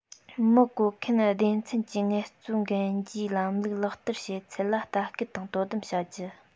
མི བཀོལ མཁན སྡེ ཚན གྱིས ངལ རྩོལ གན རྒྱའི ལམ ལུགས ལག བསྟར བྱེད ཚུལ ལ ལྟ སྐུལ དང དོ དམ བྱ རྒྱུ